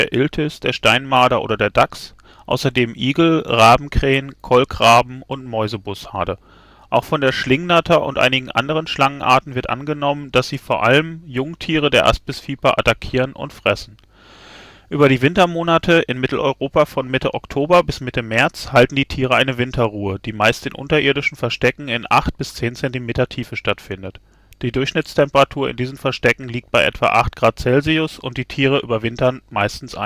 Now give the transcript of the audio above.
Iltis, Steinmarder, Dachs) außerdem Igel, Rabenkrähen, Kolkraben und Mäusebussarde. Auch von der Schlingnatter und einigen anderen Schlangenarten wird angenommen, dass sie vor allem Jungtiere der Aspisviper attackieren und fressen. Über die Wintermonate, in Mitteleuropa von Mitte Oktober bis Mitte März, halten die Tiere eine Winterruhe, die meist in unterirdischen Verstecken in acht bis zehn Zentimeter Tiefe stattfindet. Die Durchschnittstemperatur in diesen Verstecken liegt bei etwa 8 °C und die Tiere überwintern meistens